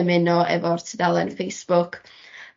ymuno efo'r tudalen Facebook